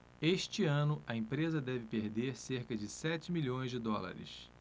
este ano a empresa deve perder cerca de sete milhões de dólares